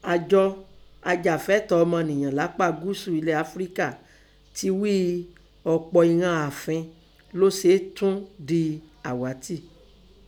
Àjọ ajàfẹ́tọ̀ọ́ ọmọnìyàn lápá gúúsú ẹlẹ̀ Áfíríkà tẹ ghí i ọ̀pọ̀ ìnan àfín ló sèè tún dẹn àghátì.